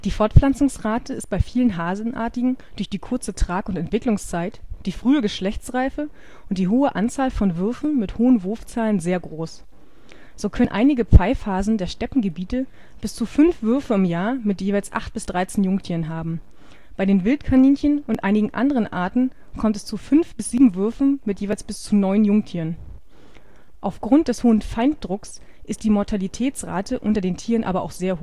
Fortpflanzungsrate ist bei vielen Hasenartigen durch die kurze Trag - und Entwicklungszeit, die frühe Geschlechtsreife und die hohe Anzahl von Würfen mit hohen Wurfzahlen sehr groß. So können einige Pfeifhasen der Steppengebiete bis zu fünf Würfe im Jahr mit jeweils 8 bis 13 Jungtieren haben, bei den Wildkaninchen und einigen anderen Arten kommt es zu fünf bis sieben Würfen mit jeweils bis zu neun Jungtieren. Aufgrund des hohen Feinddrucks ist die Mortalitätsrate unter den Tieren aber auch sehr